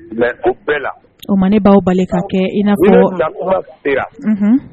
Mais o bɛɛ la, o tuma ne b'aw bali ka kɛ i n'anfɔ kuma sera, unhun